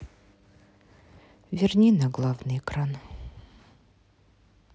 верни на главный экран